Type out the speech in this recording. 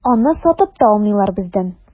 Аны сатып та алмыйлар бездән.